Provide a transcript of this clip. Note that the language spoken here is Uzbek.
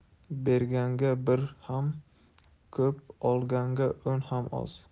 berganga bir ham ko'p olganga o'n ham oz